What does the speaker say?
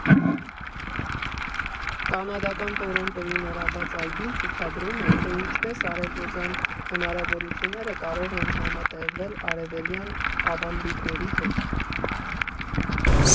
Կանադական Տորոնտոյի նորաբաց այգին ցուցադրում է, թե ինչպես արևմտյան հնարավորությունները կարող են համատեղվել արևելյան ավանդույթների հետ։